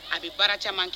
A bɛ baara caman kɛ